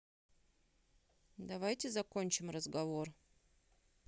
давайте закончим разговор